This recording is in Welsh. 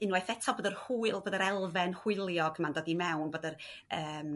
unwaith eto bod yr hwyl bod yr elfen hwyliog ma'n dod i mewn bod yr yym